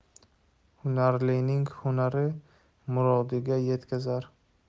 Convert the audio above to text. hunarlining hunari murodiga yetkazar